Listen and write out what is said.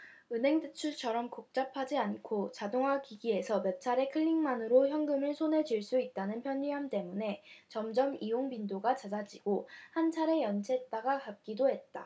은행 대출처럼 복잡하지 않고 자동화기기에서 몇 차례 클릭만으로 현금을 손에 쥘 수 있다는 편리함 때문에 점점 이용 빈도가 잦아지고 한 차례 연체했다가 갚기도 했다